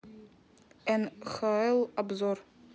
нхл обзор